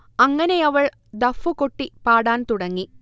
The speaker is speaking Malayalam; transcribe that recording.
അങ്ങനെയവൾ ദഫ്ഫ് കൊട്ടി പാടാൻ തുടങ്ങി